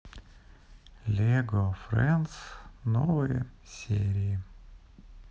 лего фрэндс новые серии